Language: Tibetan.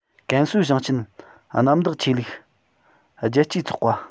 ཀན སུའུ ཞིང ཆེན གནམ བདག ཆོས ལུགས རྒྱལ གཅེས ཚོགས པ